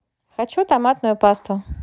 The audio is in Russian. хочу томатную пасту